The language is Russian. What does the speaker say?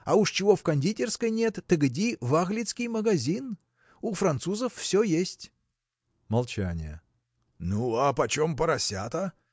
а уж чего в кондитерской нет, так иди в аглицкий магазин у французов все есть! Молчание. – Ну, а почем поросята?